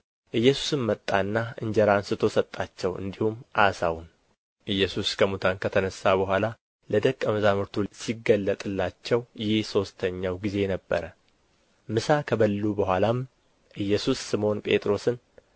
ኢየሱስም መጣና እንጀራ አንሥቶ ሰጣቸው እንዲሁም ዓሣውን ኢየሱስ ከሙታን ከተነሣ በኋላ ለደቀ መዛሙርቱ ሲገለጥላቸው ይህ ሦስተኛው ጊዜ ነበረ ምሳ ከበሉ በኋላም ኢየሱስ ስምዖን ጴጥሮስን